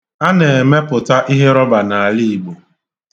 A na-emepụta ihe roba n'ala Igbo.